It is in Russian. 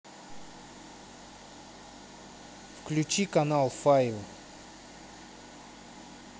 включи канал файв